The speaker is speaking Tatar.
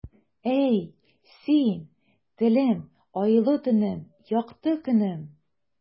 Әй, син, телем, айлы төнем, якты көнем.